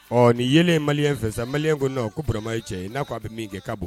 Ɔɔ nin yelen maliyɛn fɛ sa. Maliyɛn ko non ko Burama ye cɛ. N'a k'a bɛ min kɛ, k'a bɔ